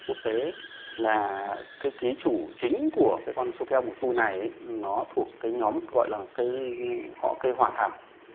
quốc tế là cây ký chủ chính của cái con sâu keo mùa thu này nó thuộc cái nhóm gọi là cây họ cây hòa thảo